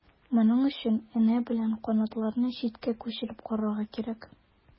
Моның өчен энә белән канатларны читкә күчереп карарга кирәк.